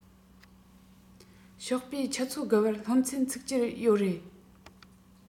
ཞོགས པའི ཆུ ཚོད དགུ པར སློབ ཚན ཚུགས ཀྱི ཡོད རེད